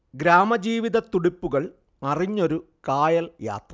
ഗ്രാമജീവിത തുടിപ്പുകൾ അറിഞ്ഞൊരു കായൽ യാത്ര